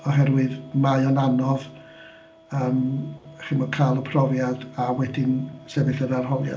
Oherwydd mae o'n anodd yym chimod cael y profiad a wedyn sefyll ar arholiad.